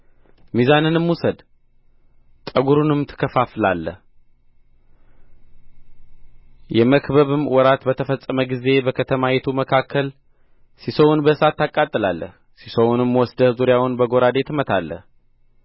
ሚዛንንም ውሰድ ጠጕሩንም ትከፋፍላለህ የመከበብም ወራት በተፈጸመ ጊዜ በከተማይቱ መካከል ሢሶውን በእሳት ታቃጥላለህ ሢሶውንም ወስደህ ዙሪያውን በጐራዴ ትመታለህ